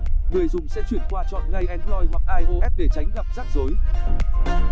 người dùng sẽ chuyển qua chọn ngay android hoặc ios để tránh gặp rắc rối